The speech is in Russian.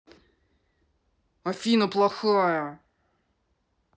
афина плохая